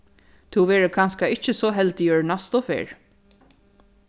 tú verður kanska ikki so heldigur næstu ferð